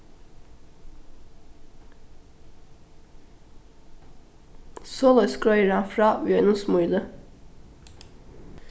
soleiðis greiðir hann frá við einum smíli